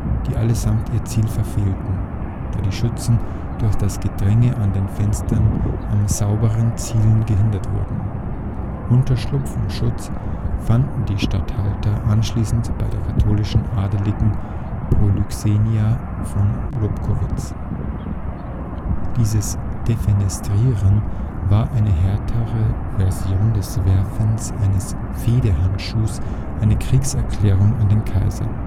die allesamt ihr Ziel verfehlten, da die Schützen durch das Gedränge an den Fenstern am sauberen Zielen gehindert wurden. Unterschlupf und Schutz fanden die Statthalter anschließend bei der katholischen Adeligen Polyxena von Lobkowicz. Dieses Defenestrieren war eine härtere Version des Werfens eines Fehdehandschuhs, eine Kriegserklärung an den Kaiser